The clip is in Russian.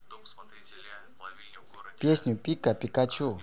песню пика пикачу